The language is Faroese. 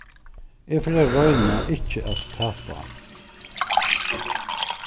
eg fari at royna ikki at tapa